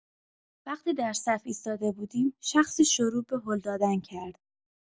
وقتی در صف ایستاده بودیم، شخصی شروع به هل دادن کرد.